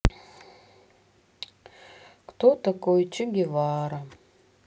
кто такой че гевара